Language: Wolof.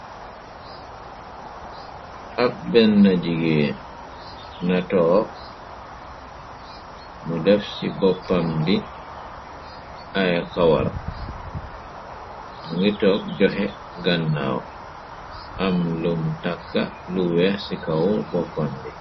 ab benn jigee na toog mu def ci boppam bi ay xawar mungi toog joxe gannaaw am lum tàkka lu weex ci kaw boppam bi